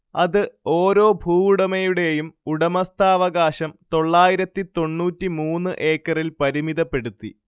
അത് ഓരോ ഭൂവുടമയുടെയും ഉടമസ്ഥാവകാശം തൊള്ളായിരത്തി തൊണ്ണൂറ്റി മൂന്ന് ഏക്കറിൽ പരിമിതപ്പെടുത്തി